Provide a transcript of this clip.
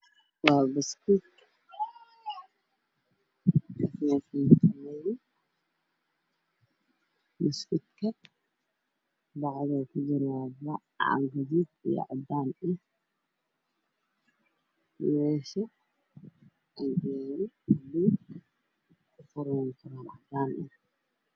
Waa buskud da uu ku jiro waa gaduud waxaa kaloo ii muuqdo kartaan buluug waxaa ka dambeeya geeda cagaar